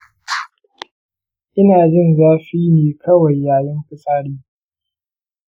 ina jin zafi ne kawai yayin fitsari.